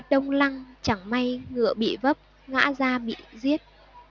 đông lăng chẳng may ngựa bị vấp ngã ra bị giết